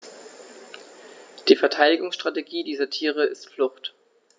Die Verteidigungsstrategie dieser Tiere ist Flucht.